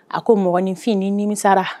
A ko mɔgɔninfin ni nimisa la